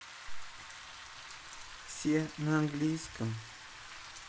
все на английском